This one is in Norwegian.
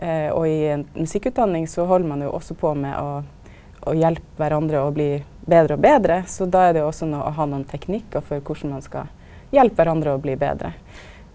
og i ei musikkutdanning så held ein jo også på med å å hjelpa kvarandre å bli betre og betre, så då er det jo også å ha nokon teknikkar for korleis ein skal hjelpe kvarandre å bli betre.